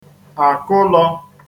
àkụlọ̄